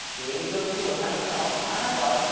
chuyện cưng với quỳnh anh là ổn thỏa hết rồi